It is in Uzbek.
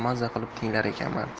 maza qilib tinglar ekanman